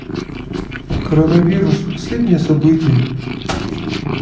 коронавирус последние события